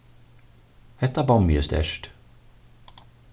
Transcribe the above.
hetta bommið er sterkt